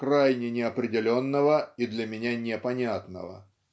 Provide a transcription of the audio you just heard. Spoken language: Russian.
крайне неопределенного и для меня непонятного"